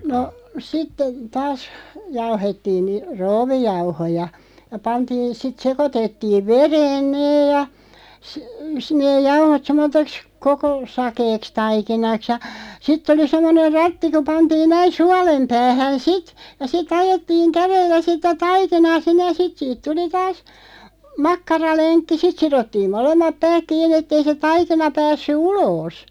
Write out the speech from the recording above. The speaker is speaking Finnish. no sitten taas jauhettiin niin krouvijauhoja ja pantiin sitten sekoitettiin vereen ne ja - sitten ne jauhot semmoiseksi koko sakeaksi taikinaksi ja sitten oli semmoinen ratti kun pantiin näin suolen päähän sitten ja sitten ajettiin kädellä sitä taikinaa sinne ja sitten siitä tuli taas makkaralenkki sitten sidottiin molemmat päät kiinni että ei se taikina päässyt ulos